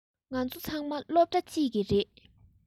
ང ཚོ ཚང མ སློབ གྲྭ གཅིག གི རེད